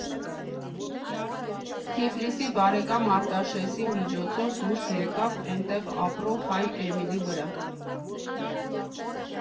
Թիֆլիսի բարեկամ Արտաշեսի միջոցով դուրս եկավ էնտեղ ապրող հայ Էմիլի վրա։